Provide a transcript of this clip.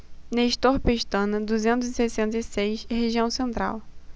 nestor pestana duzentos e sessenta e seis região central